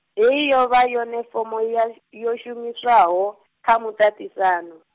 hei yo vha yone fomo ya s-, yo shumishwaho, kha muṱaṱisano.